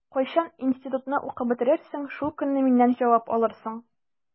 Кайчан институтны укып бетерерсең, шул көнне миннән җавап алырсың.